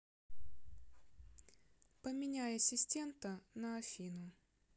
поменяй ассистента на афину